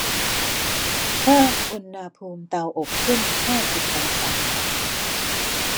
เพิ่มอุณหภูมิเตาอบขึ้นห้าสิบองศา